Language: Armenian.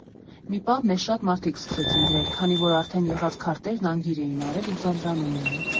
«Մի պահ մեզ շատ մարդիկ սկսեցին գրել, քանի որ արդեն եղած քարտերն անգիր էին արել ու ձանձրանում էին։